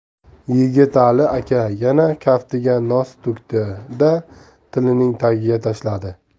yigitali aka yana kaftiga nos to'kdi da tilining tagiga tashladi